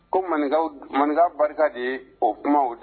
Ko maninkaw, maninka barika de ye o kuma